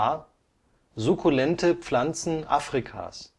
H: Sukkulente Pflanzen Afrikas